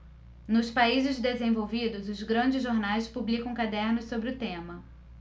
nos países desenvolvidos os grandes jornais publicam cadernos sobre o tema